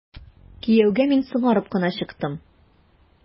Кияүгә мин соңарып кына чыктым.